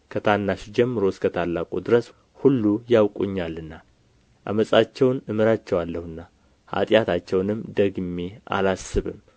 ከታናሹ ጀምሮ እስከ ታላቁ ድረስ ሁሉ ያውቁኛልና ዓመፃቸውን እምራቸዋለሁና ኃጢአታቸውንም ደግሜ አላስብም